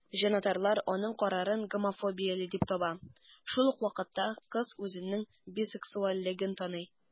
Җанатарлар аның карарын гомофобияле дип таба, шул ук вакытта кыз үзенең бисексуальлеген таный.